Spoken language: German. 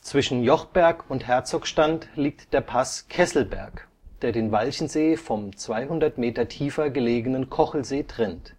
Zwischen Jochberg und Herzogstand liegt der Pass Kesselberg, der den Walchensee vom 200 Meter tiefer gelegenen Kochelsee trennt